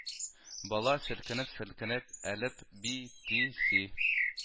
Бала селкенеп-селкенеп: әлеп, би, ти, си